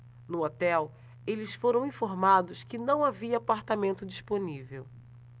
no hotel eles foram informados que não havia apartamento disponível